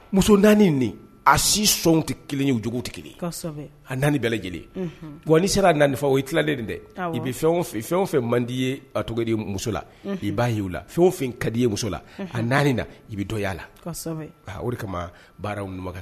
Mu naani nin a sin sɔn tɛ kelen y yeujugu tɛ a naani bɛ lajɛlen bɔn ni sera nafa o i tilalen nin dɛ i fɛn fɛn o fɛ mandi ye a cogo muso la i b'a y' u fɛn fɛ ka di ye muso la a naani na i bɛ dɔya a la o de kama baaraw